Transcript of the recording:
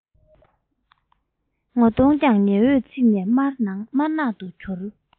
ངོ གདོང ཀྱང ཉི འོད ཀྱིས ཚིག ནས དམར ནག ཏུ གྱུར